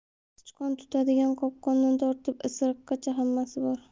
sichqon tutadigan qopqondan tortib isiriqqacha hammasi bor